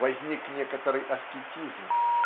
Возник некоторый аскетизм.